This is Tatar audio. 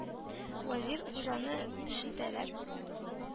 Вәзир, Хуҗаны шелтәләп: